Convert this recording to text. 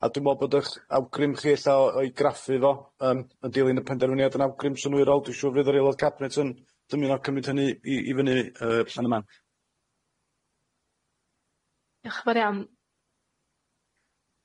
A dwi me'wl bod ych awgrym chi ella o o'i graffu fo yym yn dilyn y penderfyniad yn awgrym synwyrol, dwi'n siŵr fydd yr aelod cabinet yn dymuno cymryd hynny i i fyny yy llan y man. Diolch yn fawr iawn.